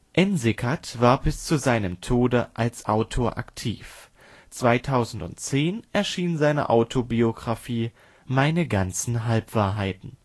Ensikat war bis zu seinem Tode als Autor aktiv. 2010 erschien seine Autobiografie Meine ganzen Halbwahrheiten